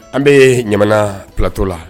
An bɛ ɲamana ptɔ la